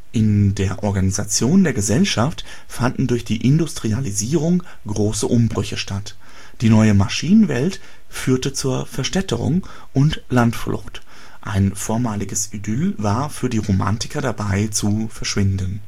In der Organisation der Gesellschaft fanden durch die Industrialisierung große Umbrüche statt, die neue Maschinenwelt führte zu Verstädterung und Landflucht, ein vormaliges Idyll war für die Romantiker dabei zu verschwinden